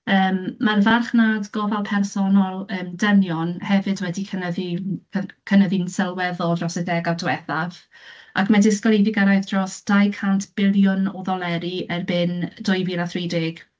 Yym, mae'r farchnad gofal personol, yym, dynion hefyd wedi cynyddu m- y- cynyddu'n sylweddol dros y degawd diwethaf, ac mae disgwyl iddi gyrraedd dros dau cant biliwn o ddoleri erbyn dwy fil a thri deg.